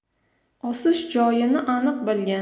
osish joyini aniq bilgan